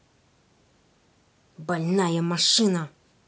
больная машина